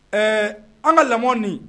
Ɛɛ an' ŋa lamɔ nin